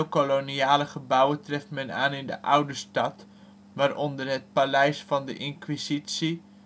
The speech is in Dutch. koloniale gebouwen treft men aan in de Oude Stad, waaronder het Paleis van de Inquisitie